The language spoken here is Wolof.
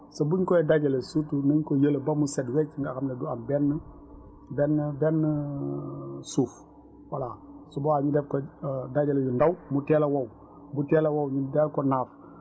te buñ koy dajale surtout nañ ko yëlab ba mu set wécc nga xam ne du am benn benn benn suuf voilà su boobaa ñu def ko dajale yu ndaw mu teel a wow bu teelee wow ñu teel ko naaf